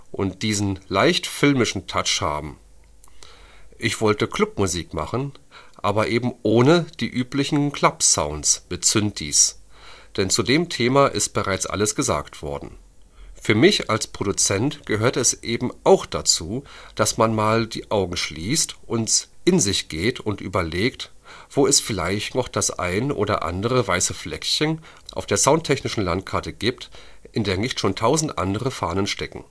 und diesen leicht filmischen Touch haben. Ich wollte Clubmusik machen, aber eben ohne die üblichen Clubsounds mit Synthies, denn zu dem Thema ist bereits alles gesagt worden. Für mich als Produzent gehört es eben auch dazu, dass man mal die Augen schließt, in sich geht und überlegt, wo es vielleicht noch das ein oder andere weiße Fleckchen auf der soundtechnischen Landkarte gibt, in der nicht schon tausend andere Fahnen stecken